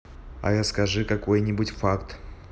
расскажи какой нибудь факт